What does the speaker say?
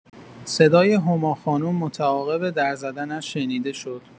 صدای هما خانم متعاقب در زدنش شنیده شد.